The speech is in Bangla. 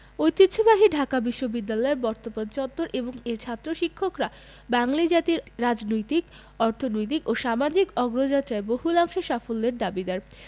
ঐতিহ্যবাহী ঢাকা বিশ্ববিদ্যালয়ের বর্তমান চত্বর এবং এর ছাত্র শিক্ষকরা বাঙালি জাতির রাজনৈতিক অর্থনৈতিক ও সামাজিক অগ্রযাত্রায় বহুলাংশে সাফল্যের দাবিদার